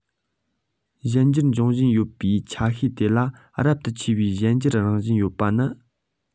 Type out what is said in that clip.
གཞན འགྱུར འབྱུང བཞིན ཡོད པའི ཆ ཤས དེ ལ རབ ཏུ ཆེ བའི གཞན འགྱུར རང བཞིན ཡོད པ ནི